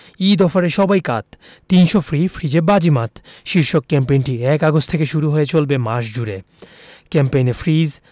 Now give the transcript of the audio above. ঈদ অফারে সবাই কাত ৩০০ ফ্রি ফ্রিজে বাজিমাত শীর্ষক ক্যাম্পেইনটি ১ আগস্ট থেকে শুরু হয়ে চলবে মাস জুড়ে ক্যাম্পেইনে ফ্রিজ